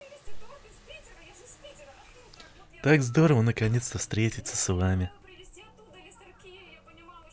так здорово наконец то встретиться с вами